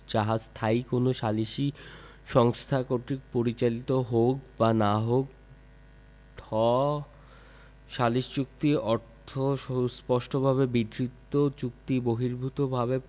যাহা স্থায়ী কোন সালিসী সংস্থা কর্তৃক পরিচালিত হউক বা না হউক ঢ সালিস চুক্তি অর্থ সুস্পষ্টভাবে বিধৃত চুক্তিবহির্ভুতভাবে